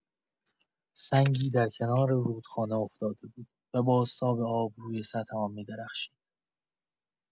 سنگی در کنار رودخانه افتاده بود و بازتاب آب روی سطح آن می‌درخشید.